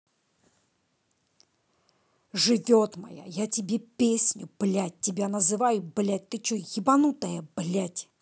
живет моя я тебе песню блядь тебя называю блядь ты че ебанутая блядь